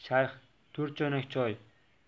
shayx to'rt choynak choy